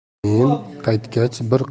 men qaytgach bir